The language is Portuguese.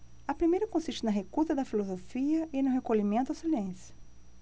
a primeira consiste na recusa da filosofia e no recolhimento ao silêncio